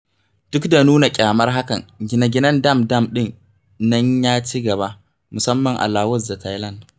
Duk da nuna ƙyamar hakan, gine-ginen dam-dam ɗin nan ya ci gaba, musamman a Laos da Thailand.